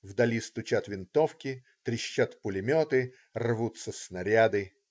Вдали стучат винтовки, трещат пулеметы, рвутся снаряды.